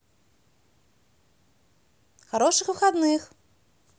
хороших выходных